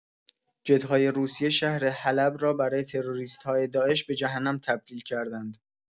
جت‌های روسیه شهر حلب را برای تروریست‌های داعش به جهنم تبدیل کردند.